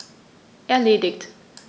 Erledigt.